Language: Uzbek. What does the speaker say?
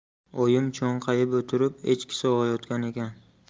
oyim cho'nqayib o'tirib echki sog'ayotgan ekan